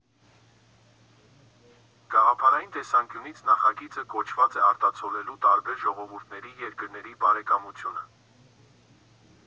Գաղափարային տեսանկյունից նախագիծը կոչված է արտացոլելու տարբեր ժողովուրդների և երկրների բարեկամությունը։